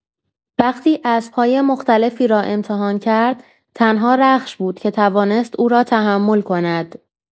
وقتی اسب‌های مختلفی را امتحان کرد، تنها رخش بود که توانست او را تحمل کند.